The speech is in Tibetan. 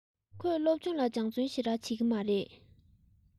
ཁོས སློབ སྦྱོང ལ སྦྱོང བརྩོན ཞེ དྲགས བྱེད ཀྱི མ རེད